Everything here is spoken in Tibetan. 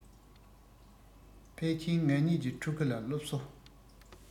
ཕལ ཕྱིར ང གཉིས ཀྱི ཕྲུ གུ ལ སློབ གསོ